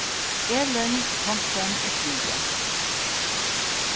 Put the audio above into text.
elin thomsen er svii